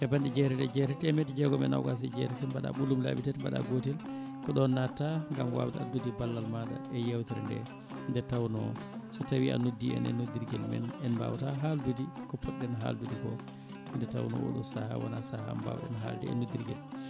capanɗe jeetati e jeetati temedde jeegom e nogas e jeetati mbaɗa ɓoolum laabi tati mbaɗa gotel ko ɗon natta gaam wawde anddude ballal maɗa e yewtere nde nde tawno so tawi a noddi e noddirguel men en mbawata haldude ko poɗɗen haldude ko nde tawno oɗo saaha wona saaha mo mbawɗen e noddirguel